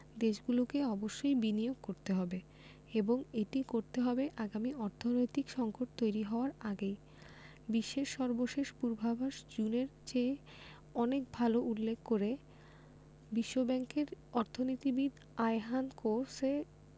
দেশগুলোকে অবশ্যই বিনিয়োগ করতে হবে এবং এটি করতে হবে আগামী অর্থনৈতিক সংকট তৈরি হওয়ার আগেই বিশ্বের সর্বশেষ পূর্বাভাস জুনের চেয়ে অনেক ভালো উল্লেখ করে বিশ্বব্যাংকের অর্থনীতিবিদ আয়হান কোসে